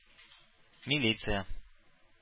Милиция